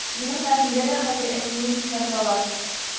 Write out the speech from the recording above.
Ирем Нәгыймгә дә хәзер әтием дип кенә торалар.